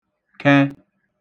k̇ẹ